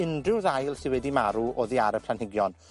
unryw ddail sy wedi marw oddi ar y planhigion.